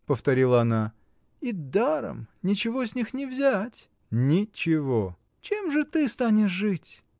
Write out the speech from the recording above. — повторила она, — и даром, ничего с них не взять? — Ничего! — Чем же ты станешь жить?